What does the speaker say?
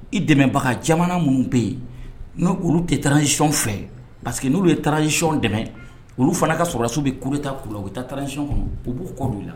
I dɛmɛbaga jamana minnu bɛ yen n olu tɛ taasicyɔn fɛ parce que n' ye taarasicɔn dɛmɛ olu fana ka sɔrɔlasiw bɛ kuru ta kulu u bɛ taasiyɔn kɔnɔ u b'u kɔolu la